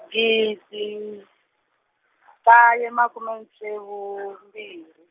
gidi, kaye makume ntsevu , mbirhi.